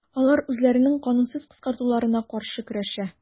Алар үзләренең канунсыз кыскартылуына каршы көрәшә.